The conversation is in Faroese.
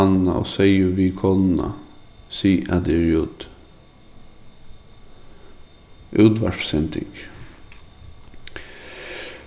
konuna sig at eg eri úti útvarpssending